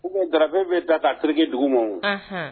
U ko dafe bɛ da' ki dugu ma